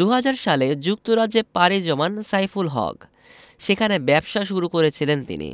২০০০ সালে যুক্তরাজ্যে পাড়ি জমান সাইফুল হক সেখানে ব্যবসা শুরু করেছিলেন তিনি